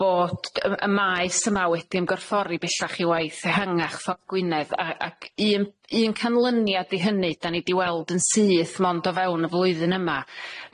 bod y maes yma wedi ymgorffori bellach i waith ehangach ffor Gwynedd a ac un un canlyniad i hynny 'dan ni 'di weld yn syth mond o fewn y flwyddyn yma,